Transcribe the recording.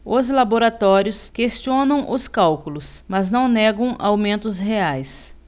os laboratórios questionam os cálculos mas não negam aumentos reais